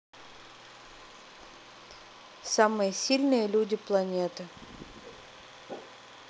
самые сильные люди планеты